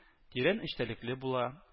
Тирән эчтәлекле була